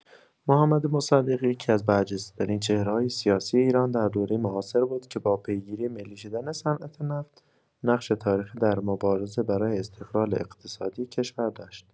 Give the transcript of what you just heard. محمد مصدق یکی‌از برجسته‌ترین چهره‌های سیاسی ایران در دوره معاصر بود که با پیگیری ملی شدن صنعت‌نفت، نقشی تاریخی در مبارزه برای استقلال اقتصادی کشور داشت.